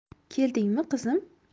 keldingmi qizim